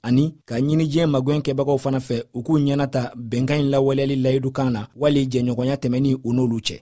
ani ka ɲini diɲɛmagɛnkɛbagaw fɛ fana u k'u ɲɛna ta bɛnkan in lawaleyali layidu kan na wali jɛɲɔgɔnya tɛmɛni u n'olu cɛ